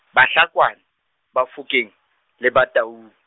Bahlakwana, Bafokeng le Batau-.